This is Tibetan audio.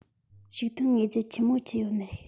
ཕྱུགས ཐོན དངོས རྫས ཆི མོ ཆི ཡོད ནི རེད